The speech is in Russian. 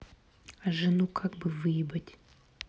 а жену как бы выебать